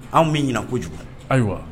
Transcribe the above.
Anw min ɲɛna ko kojugu ayiwa